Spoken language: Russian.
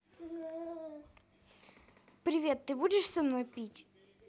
привет ты будешь со мной пить